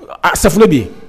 A safinɛ be yen